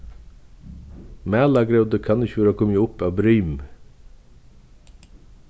malargrótið kann ikki vera komið upp av brimi